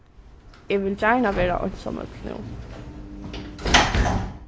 eg vil gjarna vera einsamøll nú